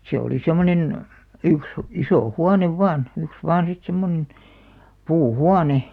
se oli semmoinen yksi iso huone vain yksi vain sitten semmoinen puuhuone